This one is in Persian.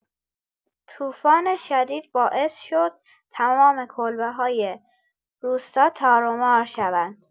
طوفان شدید باعث شد تمام کلبه‌های روستا تارومار شوند.